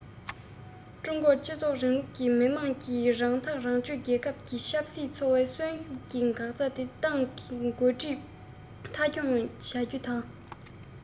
ཀྲུང གོར སྤྱི ཚོགས རིང ལུགས ཀྱི མི དམངས ཀྱིས རང ཐག རང གཅོད རྒྱལ ཁབ ཀྱི ཆབ སྲིད འཚོ བ གསོན ཤུགས ཀྱིས འགག རྩ དེ ཏང གི འགོ ཁྲིད མཐའ འཁྱོངས བྱ རྒྱུ དང